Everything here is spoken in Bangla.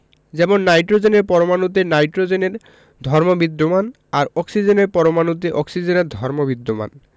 যেমন নাইট্রোজেনের পরমাণুতে নাইট্রোজেনের ধর্ম বিদ্যমান আর অক্সিজেনের পরমাণুতে অক্সিজেনের ধর্ম বিদ্যমান